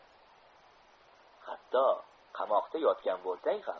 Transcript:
hatto qamoqda yotgan bo'lsang ham